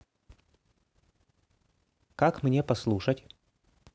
как мне послушать